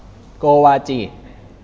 โกวาจี